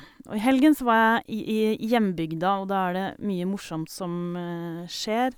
Og i helgen så var jeg i i hjembygda, og da er det mye morsomt som skjer.